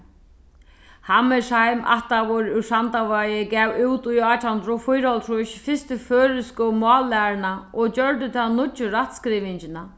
hammershaimb ættaður úr sandavági gav út í átjan hundrað og fýraoghálvtrýss fyrstu føroysku mállæruna og gjørdi ta nýggju rættskrivingina